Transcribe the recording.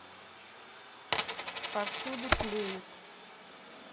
повсюду тлеют